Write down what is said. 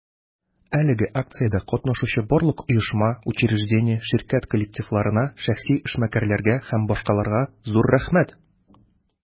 Әлеге акциядә катнашучы барлык оешма, учреждение, ширкәт коллективларына, шәхси эшмәкәрләргә һ.б. зур рәхмәт!